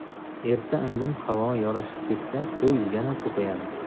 erta indin havo yurishib ketsa to'y yana kupayadi